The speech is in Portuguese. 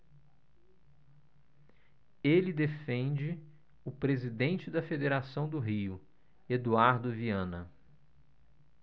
ele defende o presidente da federação do rio eduardo viana